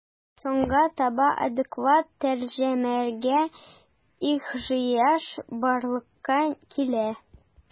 Соңга таба адекват тәрҗемәгә ихҗыяҗ барлыкка килә.